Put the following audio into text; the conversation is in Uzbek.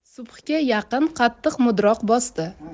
subhga yaqin qattiq mudroq bosdi